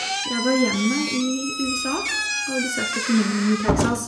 Jeg var hjemme i USA og besøkte familien min i Texas.